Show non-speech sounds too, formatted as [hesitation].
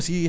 [breath] [hesitation] [hesitation]